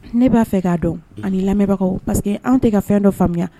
Ne b'a fɛ k'a dɔn ani lamɛnbagaw parce que an tɛ ka fɛn dɔ faamuya